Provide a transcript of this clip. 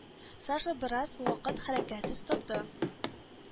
Саша бераз вакыт хәрәкәтсез торды